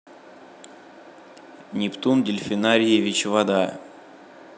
нептун дельфинариевич вода